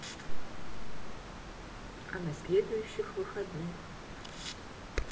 а на следующих выходных